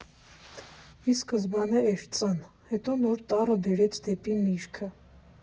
Ի սկզբանե էր Ծ֊ն, հետո նոր տառը բերեց դեպի միրգը։